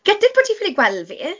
Gutted bod ti ffili gweld fi.